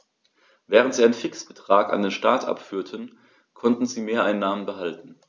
Während sie einen Fixbetrag an den Staat abführten, konnten sie Mehreinnahmen behalten.